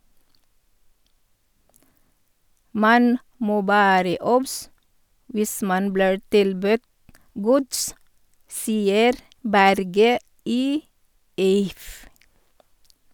Man må være obs hvis man blir tilbudt gods, sier Berge i If.